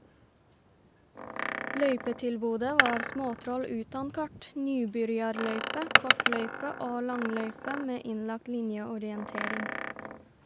Løypetilbodet var småtroll utan kart, nybyrjarløype, kortløype og langløype med innlagt linjeorientering.